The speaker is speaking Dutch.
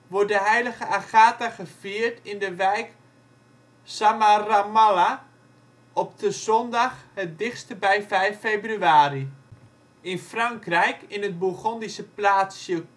wordt de heilige Agatha gevierd in de wijk Zamarramala op de zondag het dichtste bij 5 februari. In Frankrijk, in het Bourgondische plaatsje